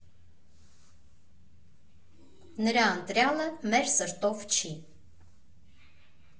«Նրա ընտրյալը մեր սրտով չի։